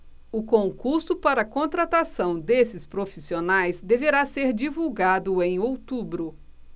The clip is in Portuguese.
o concurso para contratação desses profissionais deverá ser divulgado em outubro